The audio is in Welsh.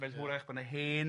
hwrach bod 'na hen